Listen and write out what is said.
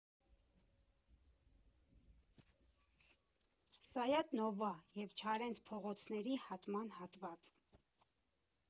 Սայաթ֊Նովա և Չարենց փողոցների հատման հատված։